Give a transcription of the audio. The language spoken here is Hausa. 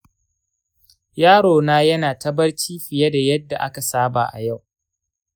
yarona ya na ta barci fiye da yadda aka saba a yau.